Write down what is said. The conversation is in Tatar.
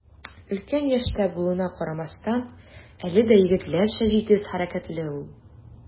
Өлкән яшьтә булуына карамастан, әле дә егетләрчә җитез хәрәкәтле ул.